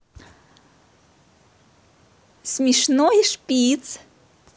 смешной шпиц